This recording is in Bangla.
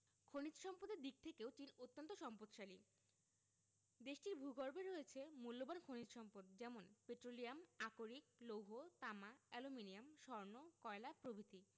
খনিজ সম্পদের দিক থেকেও চীন অত্যান্ত সম্পদশালী দেশটির ভূগর্ভে রয়েছে মুল্যবান খনিজ সম্পদ যেমন পেট্রোলিয়াম আকরিক লৌহ তামা অ্যালুমিনিয়াম স্বর্ণ কয়লা প্রভৃতি